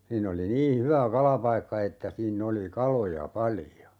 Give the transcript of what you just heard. siinä oli niin hyvä kalapaikka että siinä oli kaloja paljon